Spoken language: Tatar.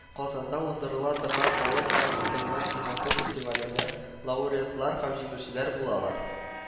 Казанда уздырыла торган Халыкара мөселман киносы фестивалендә лауреатлар һәм җиңүчеләр булалар. «